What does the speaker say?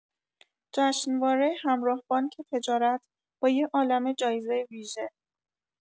جشنواره همراه بانک تجارت با یه عالمه جایزه ویژه